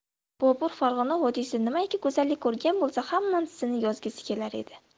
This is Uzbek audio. bobur farg'ona vodiysida nimaiki go'zallik ko'rgan bo'lsa hammasini yozgisi kelar edi